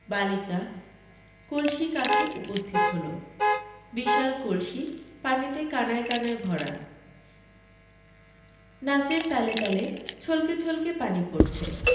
বালিকা কলসি কাঁখে উপস্থিত হল বিশাল কলসি পানিতে কানায় কানায় ভরা নাচের তালে তালে ছলকে ছলকে পানি পড়ছে